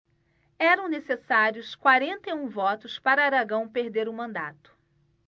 eram necessários quarenta e um votos para aragão perder o mandato